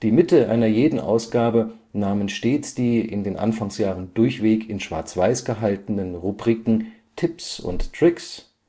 Mitte einer jeden Ausgabe nahmen stets die (in den Anfangsjahren durchweg in Schwarzweiß gehaltenen) Rubriken „ Tipps & Tricks